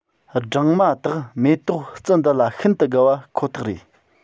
སྦྲང མ དག མེ ཏོག རྩི འདི ལ ཤིན ཏུ དགའ བ ཁོ ཐག རེད